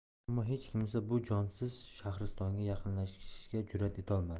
ammo hech kimsa bu jonsiz shahristonga yaqinlashishga jurat etolmadi